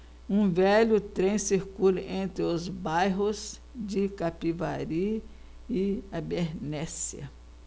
um velho trem circula entre os bairros de capivari e abernéssia